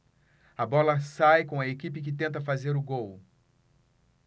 a bola sai com a equipe que tenta fazer o gol